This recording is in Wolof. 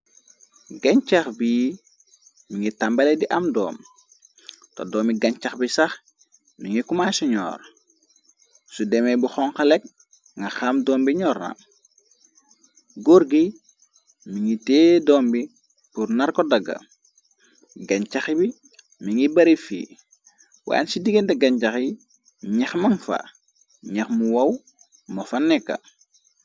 gañ cax bii mi ngi tambale di am doom te doomi gañcax bi sax mi ngi kuma señor su demee bu xonxalek nga xaam dombi ñorna gor gi mi ngi tee dombi bur nar ko daga gañ cax bi mi ngi bari fii waan ci digante gañjax yi ñex man fa ñex mu waw mo fa nekka